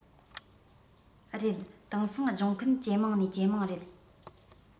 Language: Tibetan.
རེད དེང སང སྦྱོང མཁན ཇེ མང ནས ཇེ མང རེད